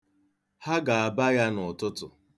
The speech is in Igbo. Ha ga-aba ya n'ụtụtụ.